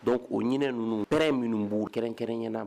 Dɔnkuc o ɲinin ninnu hɛrɛ minnu b' kɛrɛn ɲɛnaan